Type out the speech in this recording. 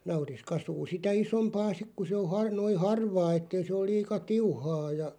nauris kasvaa sitä isompaa sitten kun se on - noin harvaa että ei se ole liian tiuhaa ja